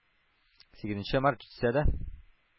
Сигезенче март җитсә дә,